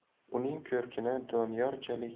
uning ko'rkini doniyorchalik